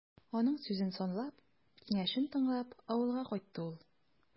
Аның сүзен санлап, киңәшен тыңлап, авылга кайтты ул.